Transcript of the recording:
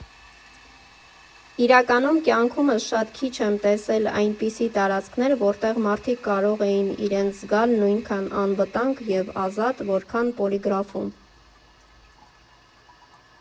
Իրականում, կյանքումս շատ քիչ եմ տեսել այնպիսի տարածքներ, որտեղ մարդիկ կարող էին իրենց զգալ նույնքան անվտանգ և ազատ, որքան Պոլիգրաֆում։